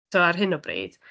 Tibod, ar hyn o bryd.